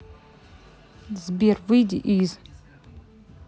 сбер выйди из